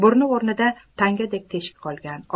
burni o'rnida tangadek teshik qolgan